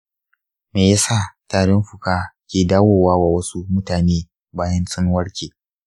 me yasa tarin fuka ke dawowa wasu mutane bayan sun warke?